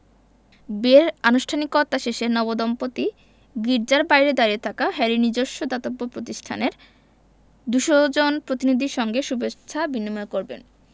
বিয়ের আনুষ্ঠানিকতা শেষে নবদম্পতি গির্জার বাইরে দাঁড়িয়ে থাকা হ্যারির নিজস্ব দাতব্য প্রতিষ্ঠানের ২০০ জন প্রতিনিধির সঙ্গে শুভেচ্ছা বিনিময় করবেন